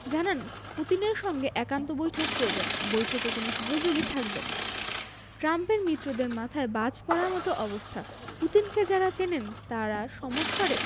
জানান পুতিনের সঙ্গে একান্ত বৈঠক করবেন বৈঠকে কোনো সহযোগী থাকবেন না ট্রাম্পের মিত্রদের মাথায় বাজ পড়ার মতো অবস্থা পুতিনকে যাঁরা চেনেন তাঁরা সমস্বরে